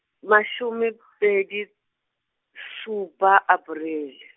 masome pedi, šupa Aparele.